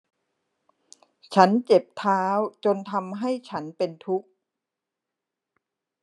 ฉันเจ็บเท้าจนทำให้ฉันเป็นทุกข์